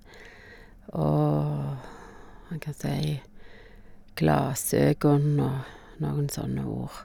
Og han kan si glasögon og noen sånne ord.